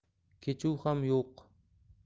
kechuv ham yo'q